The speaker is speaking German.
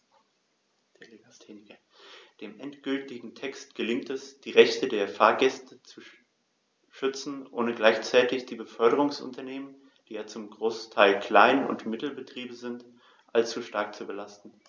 Dem endgültigen Text gelingt es, die Rechte der Fahrgäste zu schützen, ohne gleichzeitig die Beförderungsunternehmen - die ja zum Großteil Klein- und Mittelbetriebe sind - allzu stark zu belasten.